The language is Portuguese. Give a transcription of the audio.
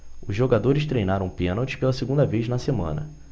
os jogadores treinaram pênaltis pela segunda vez na semana